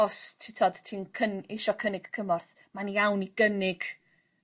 os ti t'od ti'n cyn- eisio cynnig cymorth ma'n iawn i gynnig